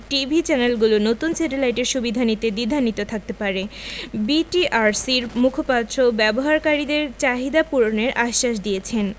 TV চ্যানেলগুলো নতুন স্যাটেলাইটের সুবিধা নিতে দ্বিধান্বিত থাকতে পারে বিটিআরসির মুখপাত্র ব্যবহারকারীদের চাহিদা পূরণের আশ্বাস দিয়েছেন